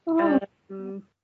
O. Ie. Hmm.